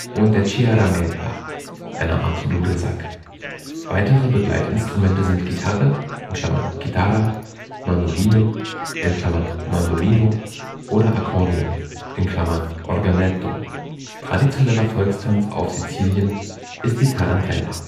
und der ciaramedda, einer Art Dudelsack. Weitere Begleitinstrumente sind Gitarre (chitarra), Mandoline (mandolino) oder Akkordeon (organetto). Traditioneller Volkstanz auf Sizilien ist die Tarantella